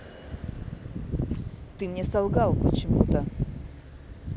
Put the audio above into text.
ты мне солгал почему то